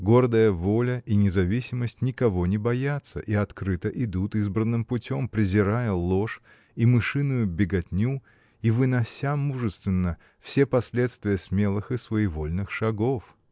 Гордая воля и независимость никого не боятся и открыто идут избранным путем, презирая ложь и мышиную беготню и вынося мужественно все последствия смелых и своевольных шагов!